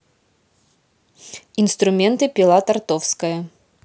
инструменты пила тартовская